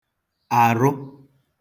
àrụ